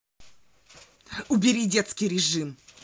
убери детский режим